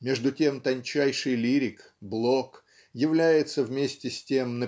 Между тем тончайший лирик Блок является вместе с тем